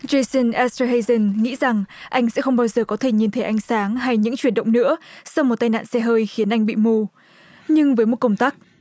giây sưn ét dơ hây dừn nghĩ rằng anh sẽ không bao giờ có thể nhìn thấy ánh sáng hay những chuyển động nữa sau một tai nạn xe hơi khiến anh bị mù nhưng với một công tắc